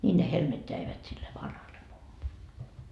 niin ne helmet jäivät sille vanhalle mummolle